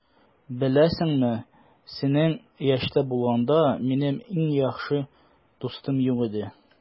Беләсеңме, синең яшьтә булганда, минем иң яхшы дустым юк иде.